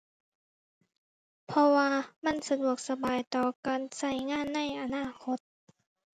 เพราะว่ามันสะดวกสบายต่อการใช้งานในอนาคต